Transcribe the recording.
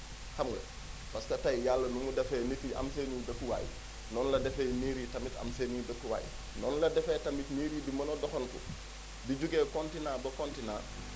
xam nga parce que tey yàlla nu mu defee nit ñi am seen i dëkkuwaay noonu la defee niir yi tamit am seen i dëkkuwaay noonu la defee tamit niir yi di mën a doxantu di jugee continent ba continent